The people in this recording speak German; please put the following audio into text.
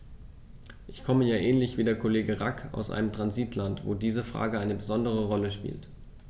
Ich komme ja ähnlich wie der Kollege Rack aus einem Transitland, wo diese Frage eine besondere Rolle spielt.